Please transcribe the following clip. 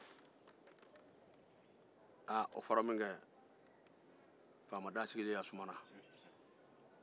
o fɔra minkɛ faama daa sigilen sumana